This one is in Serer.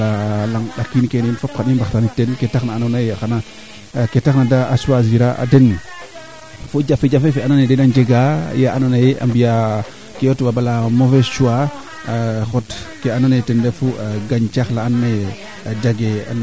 voila kaaga leyoona sax boo fa ndiik a jega saate faa ga'an ma yaam kam roka kama saate ke a jega saate faa ando naye ndiing a fada nge ke farna zone naaga tout ka xaƴel nene pour cegel ke yo de leye zone nene ten i ŋoxik kaa a fiya ngaan pour mbaan faa meene ando naye pour :gfra cegel ke reend 'u